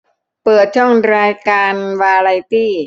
เปิดช่องรายการวาไรตี้